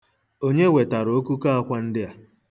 Onye wetara okuko akwa ndị a?